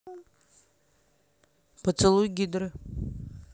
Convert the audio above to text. поцелуй гидры